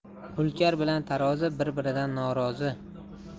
hulkar bilan tarozi bir biridan norozi